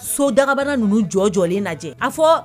So dakabara ninnu jɔ jɔlen lajɛ! A fɔ